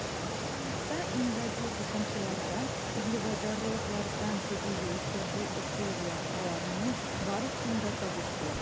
Чынлыкта иң гади кушылмалардан - углеводородлардан теге яисә бу ысул белән аларның барысын да табып була.